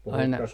aina